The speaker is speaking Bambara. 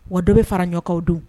Wa dɔ bɛ faraɲɔgɔnkaw dun